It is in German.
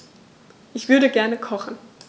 Ich würde gerne kochen.